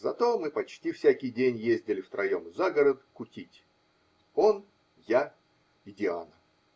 Зато мы почти всякий день ездили втроем за город кутить: он, я и Диана.